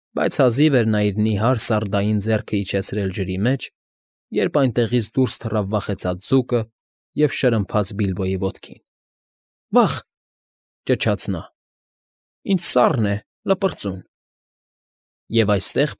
Բայց հազիվ էր նա իր նիհար, սարդային ձեռն իջեցրել ջրի մեջ, երբ այնտեղից դուրս թռավ վախեցած ձուկը և շրմփաց Բիլբոյի ոտքին։ ֊ Վա՜խ,֊ ճչաց նա։֊ Ինչ սառն է, լպրծուն…֊ Եվ այստեղ։